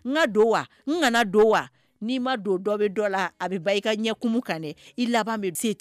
N ka don wa n kana don wa ni'i ma don dɔ bɛ dɔ la a bɛ ba i ka ɲɛkun ka i laban bɛ se